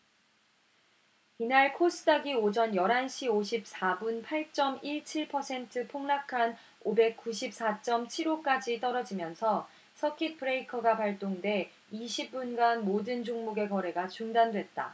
이날 코스닥이 오전 열 한 시 오십 사 분 팔 쩜 일 칠 퍼센트 폭락한 오백 구십 사 쩜 칠 오 까지 떨어지면서 서킷 브레이커가 발동돼 이십 분간 모든 종목의 거래가 중단됐다